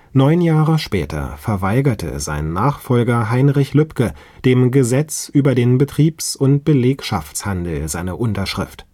Neun Jahre später verweigerte sein Nachfolger Heinrich Lübke dem „ Gesetz über den Betriebs - und Belegschaftshandel “seine Unterschrift